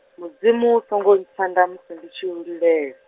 Mudzimu u songo ntshanda musi ndi tshi u lilela.